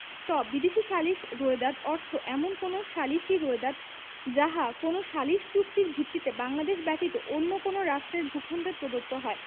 ট বিদেশী সালিসী রোয়েদাদ অর্থ এমন কোন সালিসী রোয়েদাদ যাহা কোন সালিস চুক্তির ভিত্তিতে বাংলাদেশ ব্যতীত অন্য কোন রাষ্ট্রের ভূখন্ডে প্রদত্ত হয়